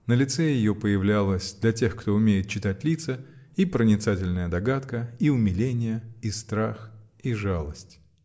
На лице ее появлялось, для тех, кто умеет читать лица, и проницательная догадка, и умиление, и страх, и жалость.